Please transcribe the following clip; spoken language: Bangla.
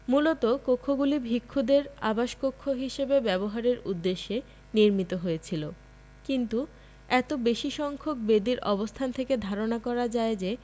মূলত কক্ষগুলি ভিক্ষুদের আবাসকক্ষ হিসেবে ব্যবহারের উদ্দেশ্যে নির্মিত হয়েছিল কিন্তু এত বেশি সংখ্যক বেদির অবস্থান থেকে ধারণা করা যায় যে